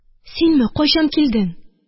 Синме, кайчан килдең?